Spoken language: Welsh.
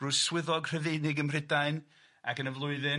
Rw' swyddog Rhyfeinig ym Mhrydain ac yn y flwyddyn,